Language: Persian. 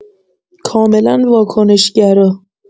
کاملا واکنش گرا